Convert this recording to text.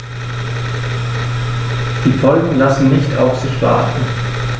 Die Folgen lassen nicht auf sich warten.